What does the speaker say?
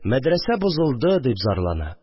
Мәдрәсә бозылды», – дип зарлана